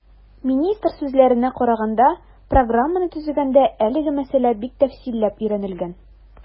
Министр сүзләренә караганда, программаны төзегәндә әлеге мәсьәлә бик тәфсилләп өйрәнелгән.